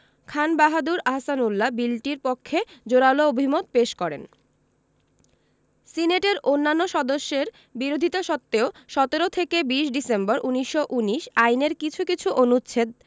খান বাহাদুর আহসানউল্লাহ বিলটির পক্ষে জোরালো অভিমত পেশ করেন সিনেটের অন্যান সদস্যের বিরোধিতা সত্ত্বেও ১৭ থেকে ২০ ডিসেম্বর ১৯১৯ আইনের কিছু কিছু অনুচ্ছেদ